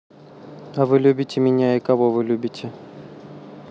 а вы любите меня и кого вы любите